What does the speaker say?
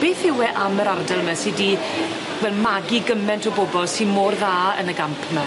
Beth yw e am yr ardal 'my sy 'di fel magu gyment o bobol sy mor dda yn y gamp 'my?